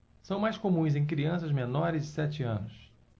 são mais comuns em crianças menores de sete anos